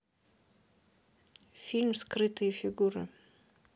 фильм скрытые фигуры